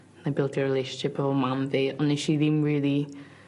'nai bildio relationship efo mam fi on' nesh i ddim rili